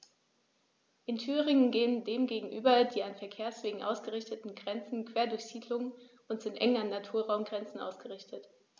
In Thüringen gehen dem gegenüber die an Verkehrswegen ausgerichteten Grenzen quer durch Siedlungen und sind eng an Naturraumgrenzen ausgerichtet.